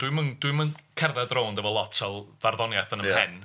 Dwi'm yn... dwi'm yn cerdded rownd efo lot o farddoniaeth yn mhen... ia.